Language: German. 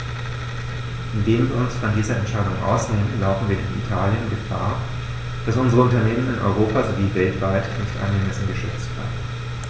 Indem wir uns von dieser Entscheidung ausnehmen, laufen wir in Italien Gefahr, dass unsere Unternehmen in Europa sowie weltweit nicht angemessen geschützt werden.